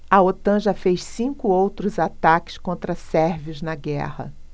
a otan já fez cinco outros ataques contra sérvios na guerra